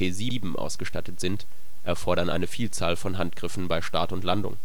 P7 ausgestattet sind, erfordern eine Vielzahl von Handgriffen bei Start und Landung